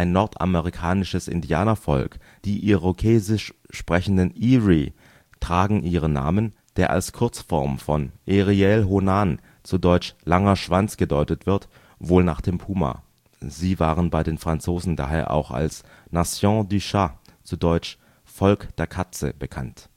nordamerikanisches Indianervolk, die irokesisch sprechenden Erie, tragen ihren Namen, der als Kurzform von Erielhonan, zu deutsch Langer Schwanz gedeutet wird, wohl nach dem Puma. Sie waren bei den Franzosen daher auch als Nation du Chat, zu deutsch Volk der Katze, bekannt